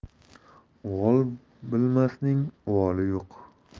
uvol bilmasning uvoli yo'q